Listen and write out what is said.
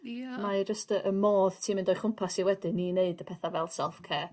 Ia. ...mae o jyst y y modd ti'n mynd o'i chwmpas hi wedyn i neud y petha fel self care.